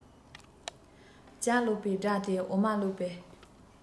ཇ བླུག པའི སྒྲ དེ འོ མ བླུག པའི